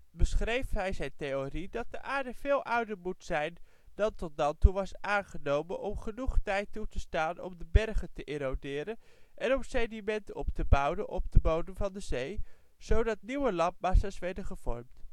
beschreef hij zijn theorie dat de aarde veel ouder moet zijn dan tot dan toe was aangenomen om genoeg tijd toe te staan om de bergen te eroderen, en om sediment op te bouwen op de bodem van de zee, zodat nieuwe landmassa 's werden gevormd